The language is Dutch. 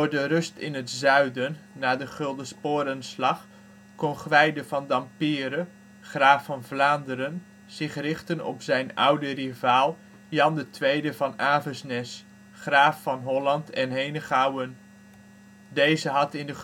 de rust in het zuiden na de Guldensporenslag kon Gwijde van Dampierre, graaf van Vlaanderen, zich richten op zijn oude rivaal, Jan II van Avesnes, graaf van Holland en Henegouwen. Deze had in de